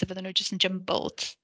So fyddan nhw jyst yn jumbled?